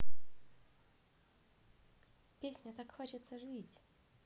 песня так хочется жить